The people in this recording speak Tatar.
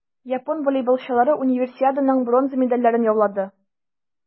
Япон волейболчылары Универсиаданың бронза медальләрен яулады.